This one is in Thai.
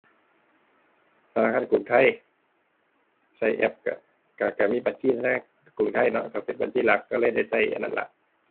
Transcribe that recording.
ธนาคารกรุงไทย ใช้แอปใช้ ใช้ ใช้มีบัญชีธนา กรุงไทยเนาะ ใช้เป็นบัญชีหลัก ใช้เลยได้ใช้อันนั้นล่ะ